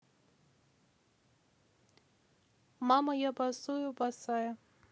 мама я босую босая